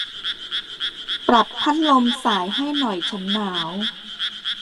ปรับพัดลมส่ายให้หน่อยฉันหนาว